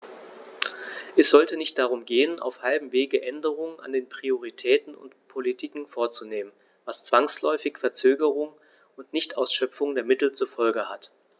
Es sollte nicht darum gehen, auf halbem Wege Änderungen an den Prioritäten und Politiken vorzunehmen, was zwangsläufig Verzögerungen und Nichtausschöpfung der Mittel zur Folge hat.